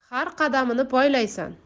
har qadamini poylaysan